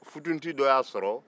futunti dɔ y'a sɔrɔ